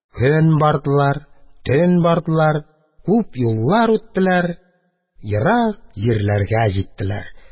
Көн бардылар, төн бардылар, күп юллар үттеләр, ерак җирләргә җиттеләр.